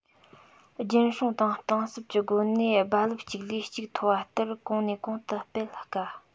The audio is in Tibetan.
རྒྱུན སྲིང དང གཏིང ཟབ ཀྱི སྒོ ནས རྦ རླབས གཅིག ལས གཅིག མཐོ བ ལྟར གོང ནས གོང དུ འཕེལ དཀའ